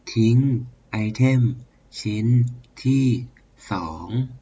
ทิ้งไอเทมชิ้นที่สอง